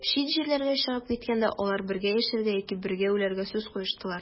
Чит җирләргә чыгып киткәндә, алар бергә яшәргә яки бергә үләргә сүз куештылар.